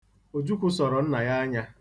Ojukwu sọrọ nna ya anya.